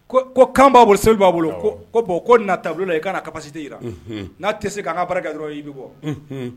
Ko kan b'a bolo segu b'a bolo bɔn ko na taabolo la i' ka di jirara n'a tɛ se k' ka bara ga dɔrɔn y i'i bɔ